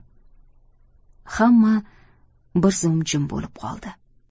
hamma bir zum jim bo'lib qoldi